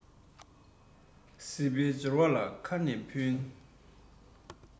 སྲིད པའི འབྱོར བ ལ ཁའི ན བུན